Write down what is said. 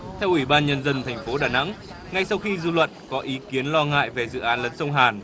theo ủy ban nhân dân thành phố đà nẵng ngay sau khi dư luận có ý kiến lo ngại về dự án lấn sông hàn